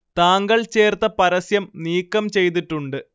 താങ്കൾ ചേർത്ത പരസ്യം നീക്കം ചെയ്തിട്ടുണ്ട്